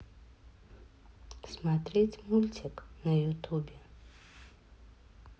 смотреть мультик на ютубе